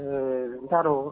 Ɛɛ n taa